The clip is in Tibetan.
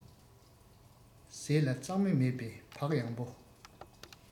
ལས ངན སྤྲང པོའི ལས ལ སྣང བ སྐྱོ